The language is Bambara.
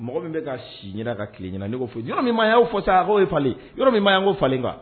Mɔgɔ min bɛ ka si ɲɛna ka tile ɲɛna, n'i k'i fosi yɔrɔ min maɲi a y'o fɔ sa a ko falen yɔrɔ min maɲi ko falen